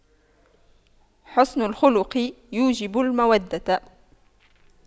حُسْنُ الخلق يوجب المودة